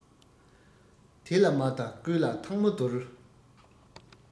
དེ ལ མ ལྟ ཀུན ལ ཐང མོ རྡོལ